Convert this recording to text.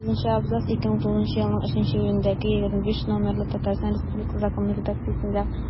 Сигезенче абзац 2009 елның 3 июлендәге 25-ТРЗ номерлы Татарстан Республикасы Законы редакциясендә.